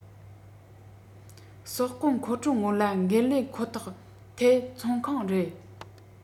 ཟོག ཁུངས མཁོ སྤྲོད སྔོན ལ འགན ལེན ཁོ ཐག ཐད ཚོང ཁང རེད